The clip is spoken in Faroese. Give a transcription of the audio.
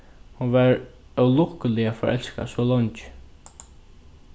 hon var ólukkuliga forelskað so leingi